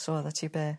so oddat ti be'